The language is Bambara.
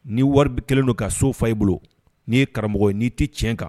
Ni wari bɛ kɛlen don ka so fa i bolo n'i ye karamɔgɔ n'i tɛ tiɲɛ kan